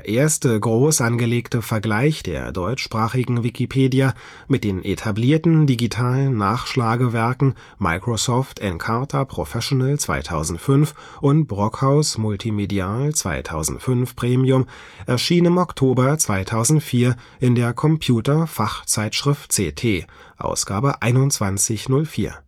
erste groß angelegte Vergleich der deutschsprachigen Wikipedia mit den etablierten digitalen Nachschlagewerken Microsoft Encarta Professional 2005 und Brockhaus multimedial 2005 Premium erschien im Oktober 2004 in der Computer-Fachzeitschrift c’ t (Ausgabe 21/04